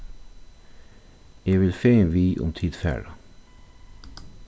eg vil fegin við um tit fara